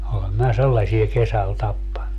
olen minä sellaisia kesällä tappanut